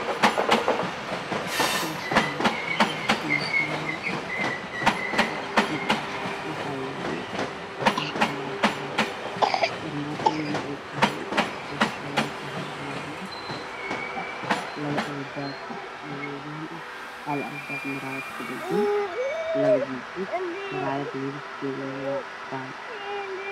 Meeshaan waa meel bannaan oo dhib ah waxa yaallo armaajo weyn remaajo weyn eetahay wexey ka koobantahay armaajada labbo albaab oo madoobiin ah Hal albaab muyaarad ku dhegen labbo jiijiid midabkeedu waa caddaan